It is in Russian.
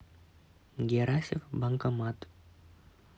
герасев банкомат